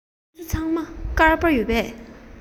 ཁྱེད ཚོ ཚང མར སྐམ པ ཡོད པས